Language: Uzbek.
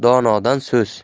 qolar donodan so'z